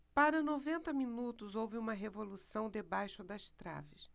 para noventa minutos houve uma revolução debaixo das traves